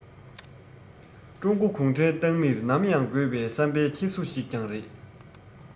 ཀྲུང གོའི གུང ཁྲན ཏང མིར ནམ ཡང དགོས པའི བསམ པའི འཁྱེར སོ ཞིག ཀྱང རེད